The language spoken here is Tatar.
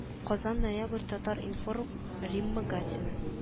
-- казан ноябрь татар-информ римма гатина